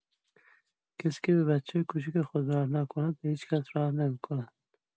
کسی که به بچه کوچک خود رحم نکند به هیچ‌کس رحم نمی‌کند.